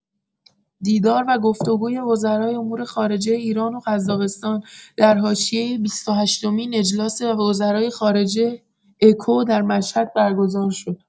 دیدار و گفت‌وگوی وزرای امور خارجه ایران و قزاقستان در حاشیه بیست و هشتمین اجلاس وزرای خارجه اکو در مشهد برگزار شد.